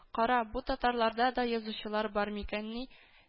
«кара, бу татарларда да язучылар бар микәнни?»